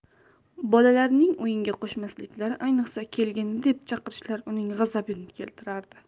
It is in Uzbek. bolalarning o'yinga qo'shmasliklari ayniqsa kelgindi deb chaqirishlari uning g'azabini keltirardi